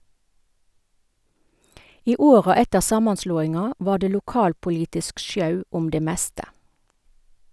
I åra etter samanslåinga var det lokalpolitisk sjau om det meste.